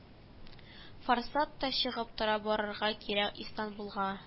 Форсат та чыгып тора барырга кирәк истанбулга